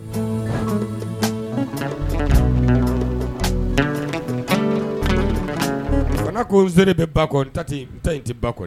Fana ko n sere be ba kɔ n ta tee n ta in te ba kɔ